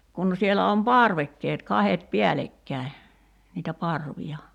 kun siellä on parvekkeet kahdet päällekkäin niitä parvia